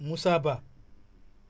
Moussa Ba